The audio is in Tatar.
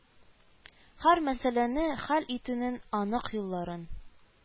Һәр мәсьәләне хәл итүнең анык юлларын